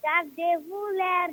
Gardez-vous leur